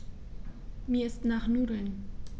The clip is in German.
Mir ist nach Nudeln.